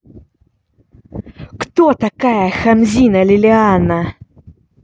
кто такая хамзина лилиана